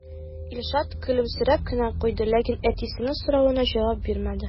Илшат көлемсерәп кенә куйды, ләкин әтисенең соравына җавап бирмәде.